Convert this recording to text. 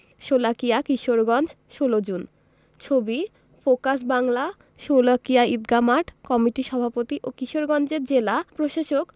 Sholakia Kishoreganj ১৬ June ছবি focus বাংলাশোলাকিয়া ঈদগাহ মাঠ কমিটির সভাপতি ও কিশোরগঞ্জের জেলা প্রশাসক